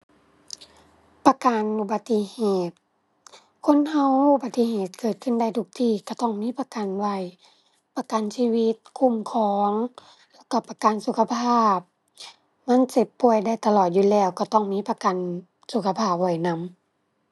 ประกันอุบัติเหตุ คนเราอุบัติเหตุเกิดขึ้นได้ทุกที่เราต้องมีประกันไว้ ประกันชีวิตคุ้มครอง แล้วเราประกันสุขภาพ มันเจ็บป่วยได้ตลอดอยู่แล้ว ก็ต้องมีประกันสุขภาพไว้นำ